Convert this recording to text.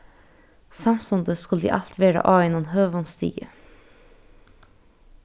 samstundis skuldi alt vera á einum høgum stigi